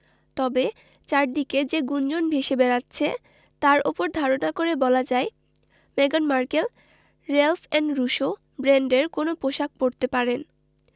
তবে চারদিকে যে গুঞ্জন ভেসে বেড়াচ্ছে তার ওপর ধারণা করে বলা যায় মেগান মার্কেল ্যালফ এন্ড রুশো ব্র্যান্ডের কোনো পোশাক পরতে পারেন